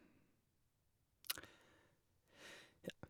Ja.